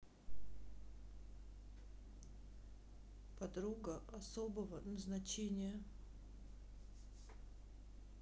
подруга особого назначения